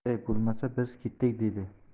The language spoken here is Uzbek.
unday bo'lsa biz ketdik dedi